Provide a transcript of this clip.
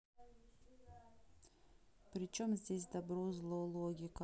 причем здесь добро зло логика